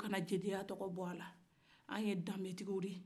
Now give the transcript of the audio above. kana jeliya tɔgɔ bɔ a la an ye danbe tigiw de ye